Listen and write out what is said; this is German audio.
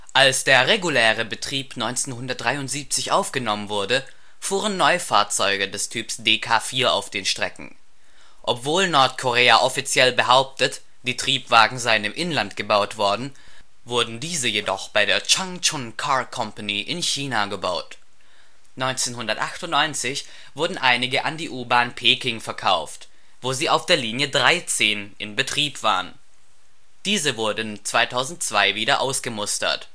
Als der reguläre Betrieb 1973 aufgenommen wurde, fuhren Neufahrzeuge des Typs DK4 auf den Strecken. Obwohl Nordkorea offiziell behauptet, die Triebwagen seien im Inland gebaut worden, wurden diese jedoch bei der Changchun Car Company in China gebaut. 1998 wurden einige an die U-Bahn Peking verkauft, wo sie auf der Linie 13 in Betrieb waren. Diese wurden 2002 wieder ausgemustert